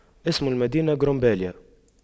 اسم المدينة كرومبيليار